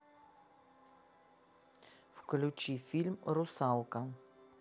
включи фильм русалка